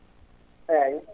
eeyi